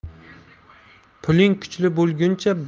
piling kuchli bo'lguncha